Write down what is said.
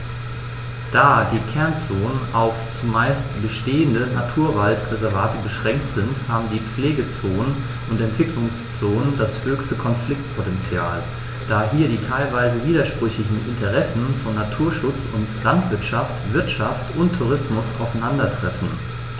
Da die Kernzonen auf – zumeist bestehende – Naturwaldreservate beschränkt sind, haben die Pflegezonen und Entwicklungszonen das höchste Konfliktpotential, da hier die teilweise widersprüchlichen Interessen von Naturschutz und Landwirtschaft, Wirtschaft und Tourismus aufeinandertreffen.